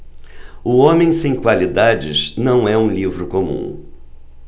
o homem sem qualidades não é um livro comum